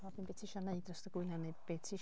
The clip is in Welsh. Gofyn be ti isio wneud dros y gwylie neu be ti isio.